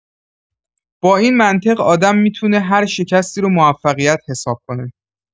با این منطق آدم می‌تونه هر شکستی رو موفقیت حساب کنه.